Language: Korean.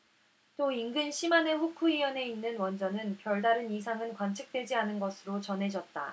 또 인근 시마네 후쿠이현에 있는 원전은 별다른 이상은 관측되지 않은 것으로 전해졌다